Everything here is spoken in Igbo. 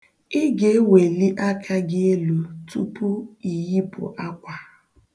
Ị ga-eweli aka gị elu tupu i yipụ akwa